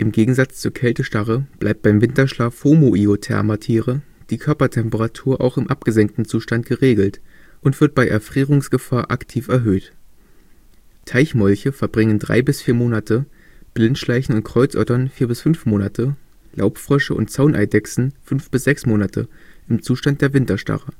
Gegensatz zur Kältestarre bleibt beim Winterschlaf homoiothermer Tiere die Körpertemperatur auch im abgesenkten Zustand geregelt und wird bei Erfrierungsgefahr aktiv erhöht. Teichmolche verbringen 3 bis 4 Monate, Blindschleichen und Kreuzottern 4 bis 5 Monate, Laubfrösche und Zauneidechsen 5 bis 6 Monate im Zustand der Winterstarre